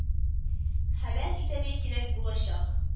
Хәбәр итәргә кирәк булачак